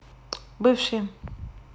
бывшие